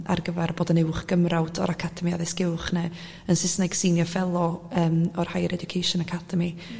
ar gyfar bod yn uwch gymrawd o'r Academi Addysg Uwch ne' yn Sysneg Senior Fellow yym o'r Higher Education Academy